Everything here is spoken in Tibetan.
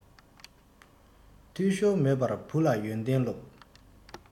འཐུས ཤོར མེད པར བུ ལ ཡོན ཏན སློབས